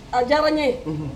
A ja ye